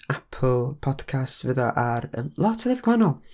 'Apple Podcasts', fydd o ar, yym, lot o lefydd gwahanol...